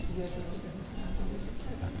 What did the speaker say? UGPM def na 30 minutes taaw